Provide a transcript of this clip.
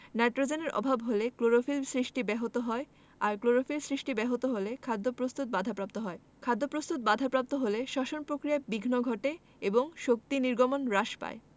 নাইট্রোজেনের অভাব হলে ক্লোরোফিল সৃষ্টি ব্যাহত হয় আর ক্লোরোফিল সৃষ্টি ব্যাহত হলে খাদ্য প্রস্তুত বাধাপ্রাপ্ত হয় খাদ্যপ্রস্তুত বাধাপ্রাপ্ত হলে শ্বসন প্রক্রিয়ায় বিঘ্ন ঘটে এবং শক্তি নির্গমন হ্রাস পায়